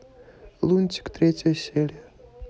лунтик третья серия